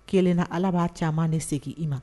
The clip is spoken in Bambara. Kelen na ala b'a caman de segin i ma